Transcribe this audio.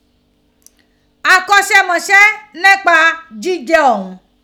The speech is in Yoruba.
Akọṣẹ mọṣẹ jíjẹ ounjẹ ọhun.